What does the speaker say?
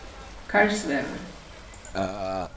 karlsvegur